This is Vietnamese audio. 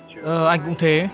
ờ anh cũng thế